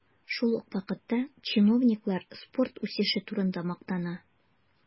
Шул ук вакытта чиновниклар спорт үсеше турында мактана.